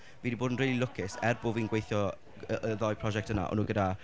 fi 'di bod yn rili lwcus. Er bod fi'n gweithio y- y ddoi prosiect yna, o'n nhw gyda...